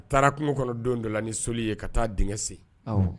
Taara kungo kɔnɔ don dɔla ni sɔli ye ka taa diŋɛ sen awɔ